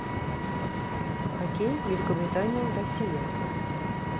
хоккей великобритания россия